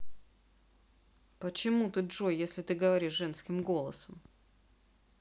почему ты джой если ты говоришь женским голосом